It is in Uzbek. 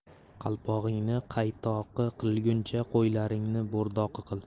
qalpog'ingni qaytoqi qilguncha qo'ylaringni bo'rdoqi qil